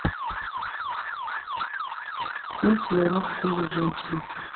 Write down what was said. в смысле рад ты же женщина